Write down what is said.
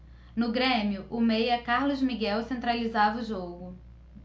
no grêmio o meia carlos miguel centralizava o jogo